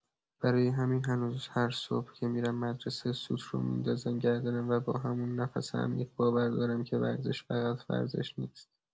برای همین هنوز هر صبح که می‌رم مدرسه، سوت رو می‌ندازم گردنم و با همون نفس عمیق، باور دارم که ورزش، فقط ورزش نیست.